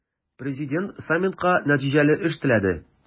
Президент саммитка нәтиҗәле эш теләде.